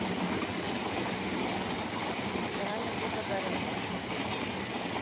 заранее благодарен